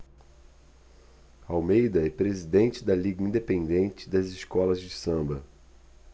almeida é presidente da liga independente das escolas de samba